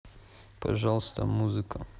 пожалуйста музыка